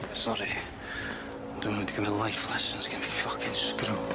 Sori ond dwi'm yn mynd i cymyd life lessons gen ffycin screw.